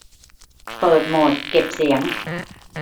เปิดโหมดเก็บเสียง